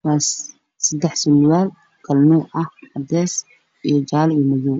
Waa sadax sulwaal oo kala nooc ah cades jaale madow